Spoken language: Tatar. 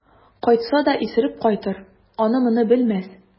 Кайтса да исереп кайтыр, аны-моны белмәс.